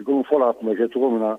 Donc fɔlɔ a tun bɛ kɛ cogo min na.